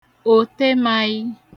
òtemai